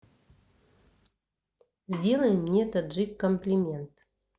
сделай мне таджик комплимент